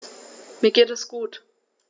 Mir geht es gut.